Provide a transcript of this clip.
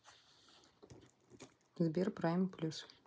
сберпрайм плюс